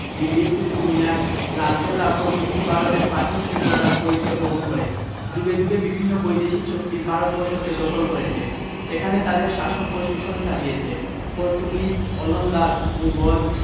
দিল্লির কুতুব মিনার লালকেল্লা প্রভৃতি ভারতের প্রাচীন সভ্যতার পরিচয় বহন করেযুগে যুগে বিভিন্ন বৈদেশিক শক্তি ভারতবর্ষকে দখল করেছে এখানে তাদের শাসন ও শোষণ চালিছে পর্তুগিজ ওলন্দাজ মুঘল